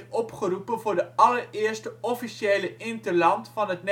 opgeroepen voor de allereerste officiële interland van het